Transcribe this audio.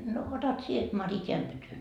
no otat sinä Mari tämän pytyn